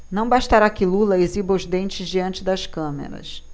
não bastará que lula exiba os dentes diante das câmeras